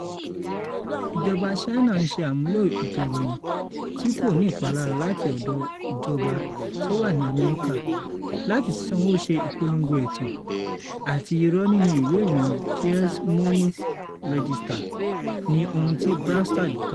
"Ìjọba China ń ṣe àmúlò ètò ìròyìn tí kò ní ìpalára láti ọ̀dọ̀ ìjọba tí ó wà ní Amẹ́ríkà láti sanwó ṣe ìpolongo ẹ̀tàn àti irọ́ nínú ìwé ìròyìn Des Moines Register,” ni ohun tí Branstad kọ.